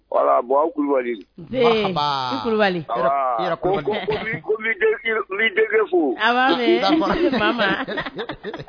Ayiwa bon kulubali kulubali dege fo